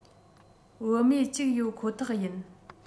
བུད མེད གཅིག ཡོད ཁོ ཐག ཡིན